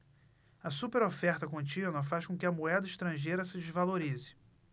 a superoferta contínua faz com que a moeda estrangeira se desvalorize